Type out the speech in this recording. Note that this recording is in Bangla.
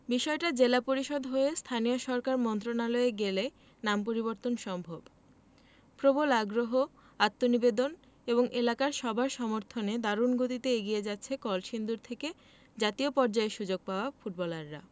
বিষয়টা জেলা পরিষদ হয়ে স্থানীয় সরকার মন্ত্রণালয়ে গেলে নাম পরিবর্তন সম্ভব প্রবল আগ্রহ আত্মনিবেদন এবং এলাকার সবার সমর্থনে দারুণ গতিতে এগিয়ে যাচ্ছে কলসিন্দুর থেকে জাতীয় পর্যায়ে সুযোগ পাওয়া ফুটবলাররা